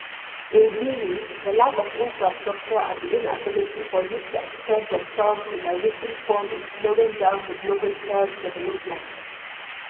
In Guinea, the lack of infrastructure and the inability for youth to express themselves in a written form is slowing down the blogosphere's development.